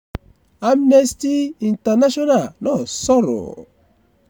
Amnesty International náà sọ̀rọ̀: